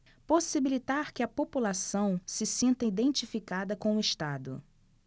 possibilitar que a população se sinta identificada com o estado